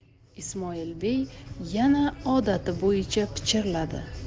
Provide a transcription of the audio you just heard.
ismoilbey yana odati bo'yicha pichirladi